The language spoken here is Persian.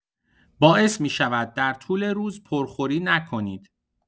باعث می‌شود در طول روز پرخوری نکنید.